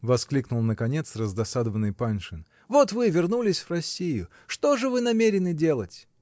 -- воскликнул, наконец, раздосадованный Паншин, -- вот вы, вернулись в Россию, -- что же вы намерены делать?